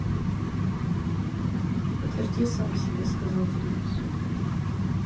подожди сам себе сказал денис